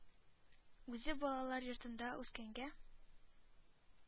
Үзе балалар йортында үскәнгә,